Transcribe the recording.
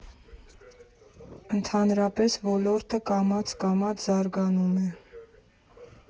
Ընդհանրապես, ոլորտը կամաց֊կամաց զարգանում է։